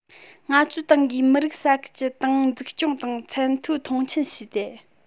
ང ཚོའི ཏང གིས མི རིགས ས ཁུལ གྱི ཏང འཛུགས སྐྱོང ལ ཚད མཐོའི མཐོང ཆེན བྱས ཏེ